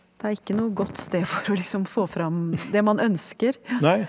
det er ikke noe godt sted for å liksom få fram det man ønsker ja.